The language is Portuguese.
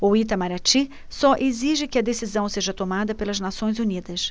o itamaraty só exige que a decisão seja tomada pelas nações unidas